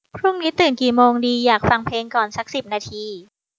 พรุ่งนี้ตื่นกี่โมงดีอยากฟังเพลงก่อนซักสิบนาที